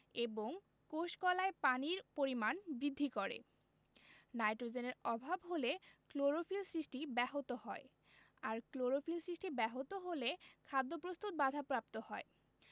এবং কোষ কলায় পানির পরিমাণ বৃদ্ধি করে নাইট্রোজেনের অভাব হলে ক্লোরোফিল সৃষ্টি ব্যাহত হয় আর ক্লোরোফিল সৃষ্টি ব্যাহত হলে খাদ্য প্রস্তুত বাধাপ্রাপ্ত হয়